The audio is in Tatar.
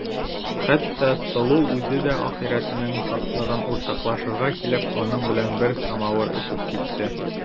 Хәтта Сылу үзе дә ахирәтенең шатлыгын уртаклашырга килеп, аның белән бер самавыр чәй эчеп китте.